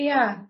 ia